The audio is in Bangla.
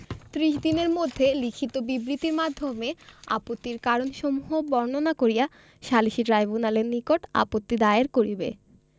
ত্রিশ দিনের মধ্যে লিখিত বিবৃতির মাধ্যমে আপত্তির কারণসমূহ বর্ণনা করিয়া সালিসী ট্রইব্যুনালের নিকট আপত্তি দায়ের করিবে